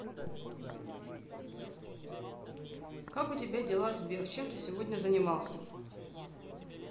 как у тебя дела сбер чем ты сегодня занимался